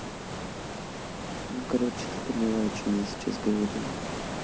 ну короче ты поняла о чем я сейчас говорила